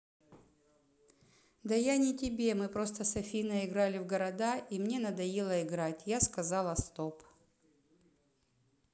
да я не тебе мы просто с афиной играли в города и мне надоело играть я сказал стоп